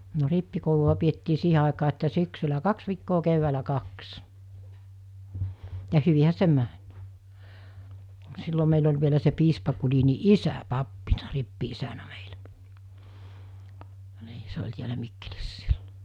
no rippikoulua pidettiin siihen aikaan että syksyllä kaksi viikkoa keväällä kaksi ja hyvinhän se meni silloin meillä oli vielä se piispa Gulin isä pappina rippi-isänä meillä niin se oli täällä Mikkelissä silloin